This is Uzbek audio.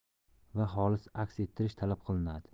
va xolis aks ettirish talab qilinadi